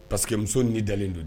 Parce que muso ni dalen don